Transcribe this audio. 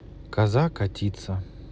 коза котится